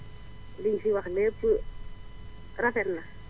li nga fi wax lépp rafet na